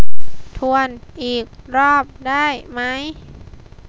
ทวนอีกรอบได้ไหม